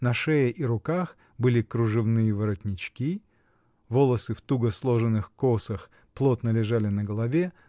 На шее и руках были кружевные воротнички, волосы в туго сложенных косах плотно лежали на голове